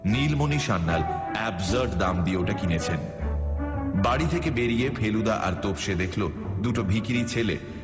Nilmoni Sanyal absurd দাম দিয়ে ওটা কিনেছেন বাড়ি থেকে বেড়িয়ে ফেলুদা আর তোপসে দেখল দুটো ভিখিরি ছেলে